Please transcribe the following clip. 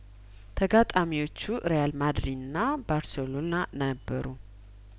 ተጋጣሚዎቹ ሪያል ማ ድሪንና ባርሴሎና ነበሩ